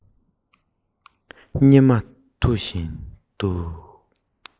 སྙེ མ འཐུ བཞིན འདུག